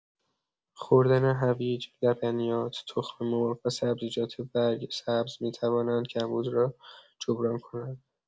خوردن هویج، لبنیات، تخم‌مرغ و سبزیجات برگ‌سبز می‌تواند کمبود را جبران کند.